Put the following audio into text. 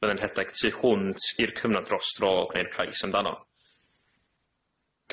byddai'n rhedeg tu hwnt i'r cyfnod dros dro gneir cais amdano.